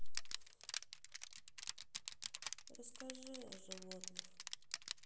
расскажи о животных